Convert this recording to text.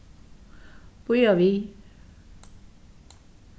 bíða við